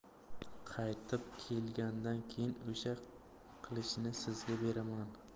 qaytib kelgandan keyin o'sha qilichni sizga beraman